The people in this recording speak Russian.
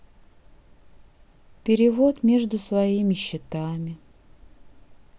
перевод между своими счетами